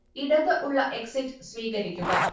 ഇടത് ഉള്ള എക്സിറ്റ് സ്വീകരിക്കുക